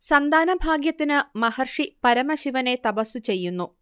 സന്താനഭാഗ്യത്തിനു മഹർഷി പരമശിവനെ തപസ്സു ചെയ്യുന്നു